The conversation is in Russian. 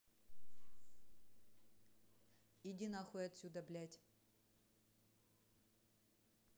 иди нахуй отсюда блять